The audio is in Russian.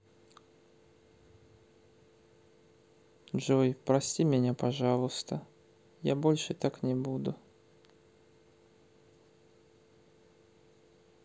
джой прости меня пожалуйста я больше так не буду